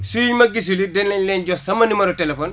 suñ ma gisul it danañ leen jox sama numéro téléphone